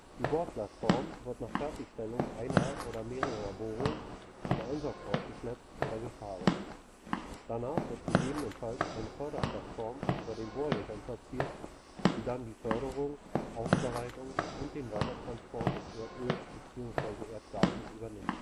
Die Bohrplattform wird nach Fertigstellung einer oder mehrerer Bohrungen zum nächsten Einsatzort geschleppt oder gefahren. Danach wird ggf. eine Förderplattform über den Bohrlöchern platziert, die dann die Förderung, Aufbereitung und den Weitertransport des Erdöls bzw. Erdgases übernimmt